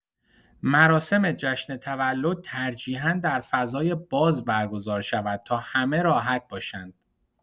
مراسم جشن تولد ترجیحا در فضای باز برگزار شود تا همه راحت باشند.